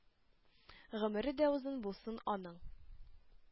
Гомере дә озын булсын аның,